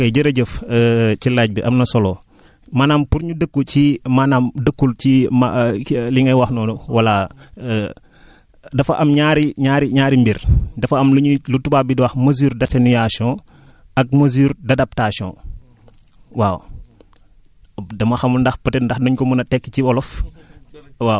waaw kay jërëjëf ci laaj bi am na solo maanaam pour ñu dëkku ci maanaam dëkkul ci ma li ngay wax noonu voilà dafa am ñaari ñaari ñaari mbir dafa am lu ñuy lu tubaab bi di wax mesure d' aténuation ak mesure d' adaptation waaw dama xamul ndax peut être ndax nañ ko mën a tekki ci wolof